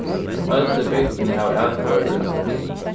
øll í bygdini hava atkvøðurætt